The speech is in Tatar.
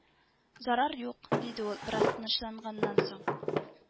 Зарар юк диде ул бераз тынычланганнан соң